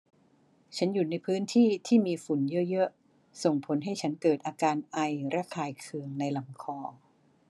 ฉันอยู่ในพื้นที่ที่มีฝุ่นเยอะเยอะส่งผลให้ฉันเกิดอาการไอระคายเคืองในลำคอ